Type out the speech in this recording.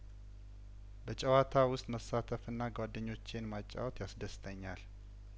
በጨዋታ ውስጥ መሳተፍና ጓደኞቼን ማ ጫወት ያስደስተኛል